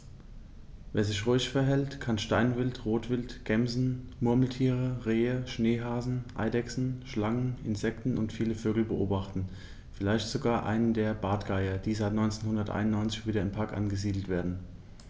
Wer sich ruhig verhält, kann Steinwild, Rotwild, Gämsen, Murmeltiere, Rehe, Schneehasen, Eidechsen, Schlangen, Insekten und viele Vögel beobachten, vielleicht sogar einen der Bartgeier, die seit 1991 wieder im Park angesiedelt werden.